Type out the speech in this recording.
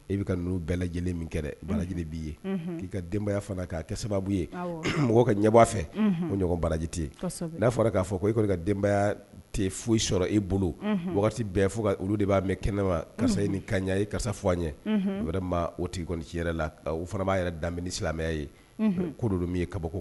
E bɛ n bɛɛ lajɛlen min kɛ bala lajɛlen b'i ye k'i ka denbaya fana' kɛ sababu ye mɔgɔ ka ɲɛba fɛ o ɲɔgɔn baraji tɛ n'a fɔra k'a fɔ ko e ka denbaya tɛ foyi sɔrɔ i bolo bɛɛ fo olu de b'a mɛn kɛnɛ ma karisa ye ni kaɲa ye karisa f' an ɲɛ wɛrɛ' o tigi kɔni ci yɛrɛ la o fana b'a yɛrɛ daminɛ ni silamɛya ye ko olu min ye kaba bɔko